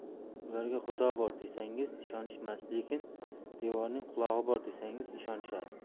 ularga xudo bor desangiz ishonishmas lekin devorning qulog'i bor desangiz ishonishadi